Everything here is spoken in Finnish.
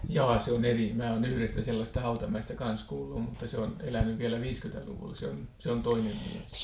jaa se on eri minä olen yhdestä sellaisesta Hautamäestä kanssa kuullut mutta se on elänyt vielä viisikymmentäluvulla se on se on toinen mies